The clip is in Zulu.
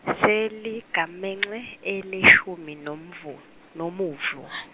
seligamenxe, eleshumi nomv- nomuvo .